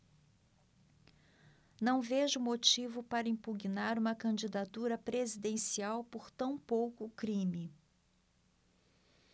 não vejo motivo para impugnar uma candidatura presidencial por tão pouco crime